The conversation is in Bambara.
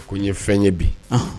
A ko n ye fɛn ye bi